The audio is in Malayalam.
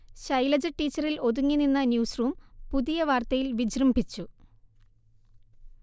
ശൈലജ ടീച്ചറിൽ ഒതുങ്ങിനിന്ന ന്യൂസ്റൂം പുതിയ വാർത്തയിൽ വിജൃംഭിച്ചു